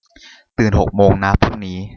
ตื่นหกโมงนะพรุ่งนี้